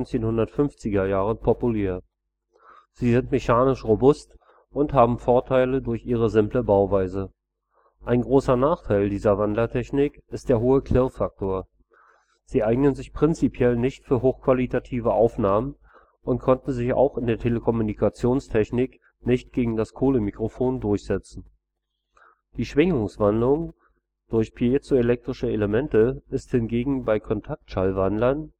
1950er-Jahren populär. Sie sind mechanisch robust und haben Vorteile durch ihre simple Bauweise. Ein großer Nachteil dieser Wandlertechnik ist der hohe Klirrfaktor. Sie eignen sich prinzipiell nicht für hochqualitative Aufnahmen und konnten sich auch in der Telekommunikationstechnik nicht gegen das Kohlemikrofon durchsetzen. Die Schwingungswandlung durch piezoelektrische Elemente ist hingegen bei Kontaktschallwandlern